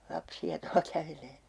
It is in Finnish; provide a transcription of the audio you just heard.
lapsia tuolla kävelee